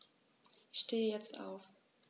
Ich stehe jetzt auf.